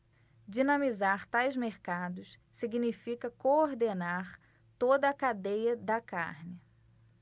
dinamizar tais mercados significa coordenar toda a cadeia da carne